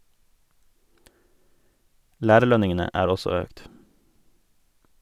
Lærerlønningene er også økt.